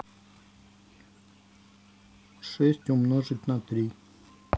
шесть умножить на три